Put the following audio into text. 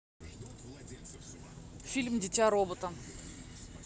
фильм дитя робота